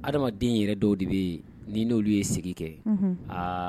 Adamaden yɛrɛ dɔw de bɛ ni n'olu ye sigi kɛ